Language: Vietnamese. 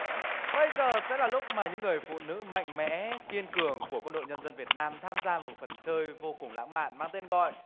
bây giờ sẽ là lúc mà những người phụ nữ mạnh mẽ kiên cường của quân đội nhân dân việt nam tham gia vào phần chơi vô cùng lãng mạn mang tên gọi